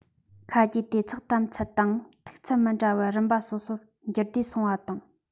ཁ གྱེས ཏེ ཚགས དམ ཚད དང མཐུག ཚད མི འདྲ བའི རིམ པ སོ སོར འགྱུར བདེར སོང བ དང